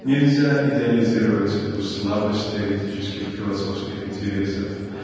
Нельзя идеализировать эту слабость теоретических философских интересов